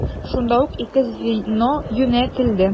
Шунда ук ике звено юнәтелде.